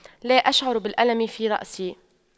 لا أشعر بالألم في رأسي